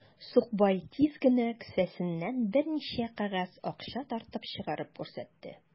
Сукбай тиз генә кесәсеннән берничә кәгазь акча тартып чыгарып күрсәтте.